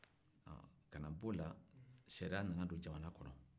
ɔ kana bɔ o la sariya nana don jamana kɔnɔ